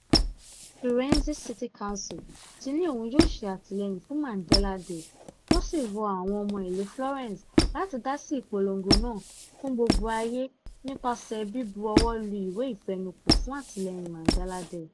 Firenze City Council ti ni òun yóò ṣe àtìleyìn fún Mandela Day ó sì rọ àwọn ọmọ ìlú Florence láti dá sí ìpolongo náà fún gbogbo ayé nípasẹ̀ bíbu ọwọ́ lu ìwé ìfenukò fún atileyìn Mandela Day.